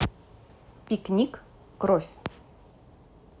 пикник кровь